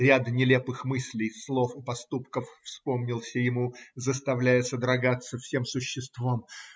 Ряд нелепых мыслей, слов и поступков вспомнился ему, заставляя содрогаться всем существом.